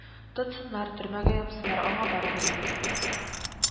Тотсыннар, төрмәгә япсыннар аңа барыбер иде